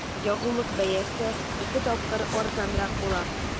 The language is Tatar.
Ягулык бәясе ике тапкыр арзанрак була.